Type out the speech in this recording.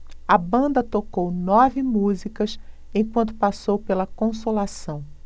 a banda tocou nove músicas enquanto passou pela consolação